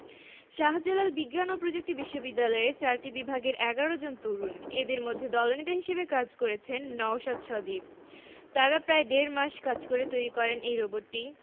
শাহজালাল বিজ্ঞান ও প্রযুক্তি বিশ্ববিদ্যালয়ের চারটি বিভাগের ১১ জন তরুণ এদের মধ্যে দলনেতা হিসেবে কাজ করেছেন নওশাদ সজীব তারা প্রায় দেড় মাস কাজ করে তৈরি করেন এই রোবটটি